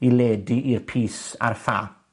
i ledu i'r pys a'r ffâ.